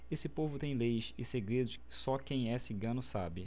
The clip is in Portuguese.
esse povo tem leis e segredos que só quem é cigano sabe